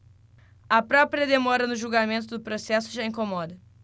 a própria demora no julgamento do processo já incomoda